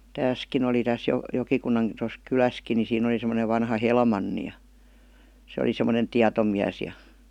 tässäkin oli tässä - Jokikunnan tuossa kylässäkin niin siinä oli semmoinen vanha Helmanni ja se oli semmoinen tietomies ja